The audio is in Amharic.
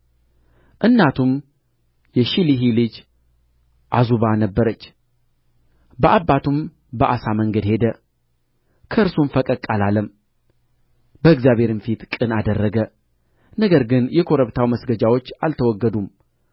እናቱም የሺልሒ ልጅ ዓዙባ ነበረች በአባቱም በአሳ መንገድ ሄደ ከእርሱም ፈቀቅ አላለም በእግዚአብሔር ፊት ቅን አደረገ ገር ግን የኮረብታው መስገጃዎች አልተወገዱም